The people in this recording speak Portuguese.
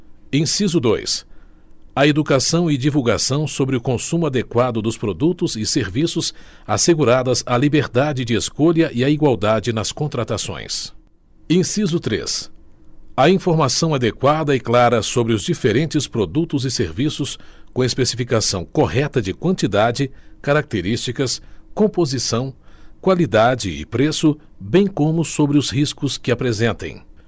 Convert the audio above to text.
inciso dois a educação e divulgação sobre o consumo adequado dos produtos e serviços asseguradas a liberdade de escolha e a igualdade nas contratações inciso três a informação adequada e clara sobre os diferentes produtos e serviços com especificação correta de quantidade características composição qualidade e preço bem como sobre os riscos que apresentem